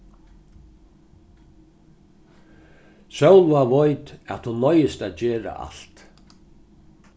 sólvá veit at hon noyðist at gera alt